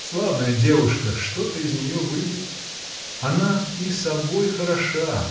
Славная девушка, что-то из нее выйдет? Она и собой хороша.